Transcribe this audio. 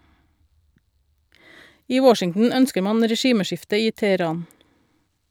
I Washington ønsker man regimeskifte i Teheran.